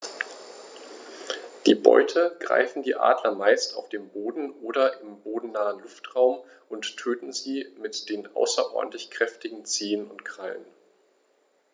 Die Beute greifen die Adler meist auf dem Boden oder im bodennahen Luftraum und töten sie mit den außerordentlich kräftigen Zehen und Krallen.